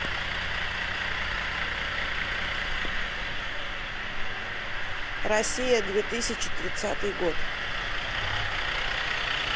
россия две тысячи тридцатый год